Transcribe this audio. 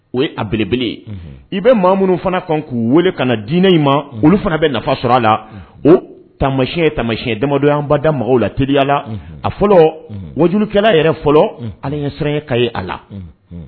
O ye a belebele ye i bɛ ma minnu fana kan k'u weele ka na diinɛ in ma golo fana bɛ nafa sɔrɔ a la o tamaɲɛ tamasiɲɛ damadɔyabada mago la terieliya la a fɔlɔ wojukɛla yɛrɛ fɔlɔ ali ɲɛ siran ka ye a la